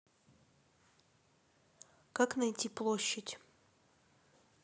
как найти площадь